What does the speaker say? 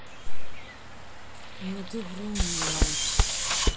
ну ты врунья